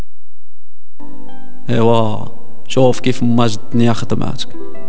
هواء شوف كيف الدنيا خدماتكم